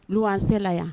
Luwanse la yan